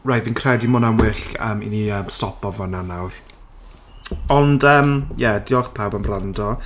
Right fi'n credu ma' hwnna'n well yym i ni yy stopo fan'na nawr. Ond yym ie, diolch pawb am wrando.